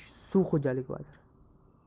suv xo'jaligi vaziri